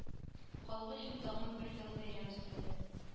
Халык өчен тагын бер ял-бәйрәм өстәлде